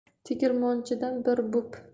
tegirmonchidan bir bo'p